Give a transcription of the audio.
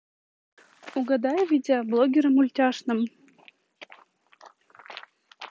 угадай видеоблогера мультяшным